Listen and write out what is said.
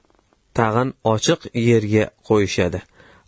tag'in ochiq yerga qo'yishadi